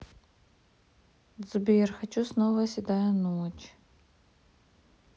сбер хочу снова седая ночь